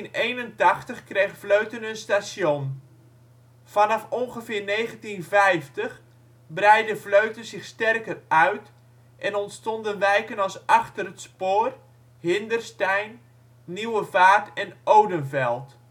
1881 kreeg Vleuten een station. Vanaf ongeveer 1950 breidde Vleuten zich sterker uit en ontstonden wijken als Achter ' t Spoor, Hinderstein, Nieuwe Vaart en Odenvelt